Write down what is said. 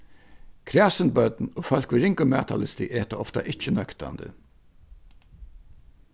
kræsin børn og fólk við ringum matarlysti eta ofta ikki nøktandi